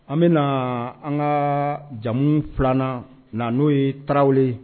An bɛna na an ka jamu filanan na n'o ye tarawelew